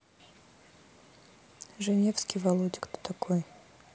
женевский володя кто такой